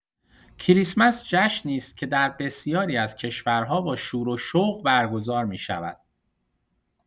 کریسمس جشنی است که در بسیاری از کشورها با شور و شوق برگزار می‌شود.